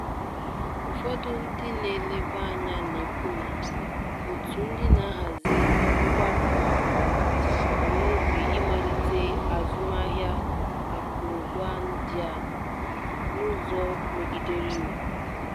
Ụfọdụ ndị na-eleba anya na-ekwu na òtù ndị na-ahazi mwakpo a bu n'obi ịmalite azụmahịa akụrụngwa ndị a n'ụzọ megidere iwu.